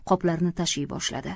qoplarni tashiy boshladi